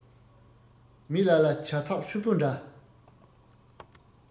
མི ལ ལ ཇ ཚག ཧྲུལ པོ འདྲ